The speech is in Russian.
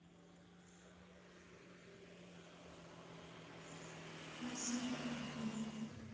асмр о два